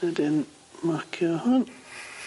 Wedyn marcio hwn.